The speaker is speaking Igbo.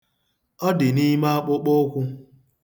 Ọ dị n'ime akpụkpụụkwụ.